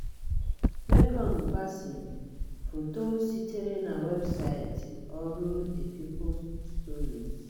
Mekong Basin. Foto sitere na webụsaịtị ọrụ The People's Stories.